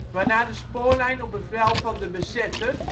waarna de spoorlijn op bevel van de bezetter